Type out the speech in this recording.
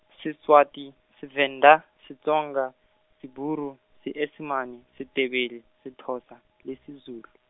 Seswati, Sevenda, Setsonga, Seburu, Seesimane, Setebele, Sethosa, le Sezulu.